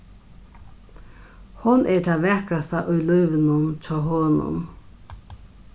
hon er tað vakrasta í lívinum hjá honum